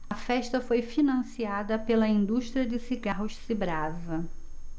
a festa foi financiada pela indústria de cigarros cibrasa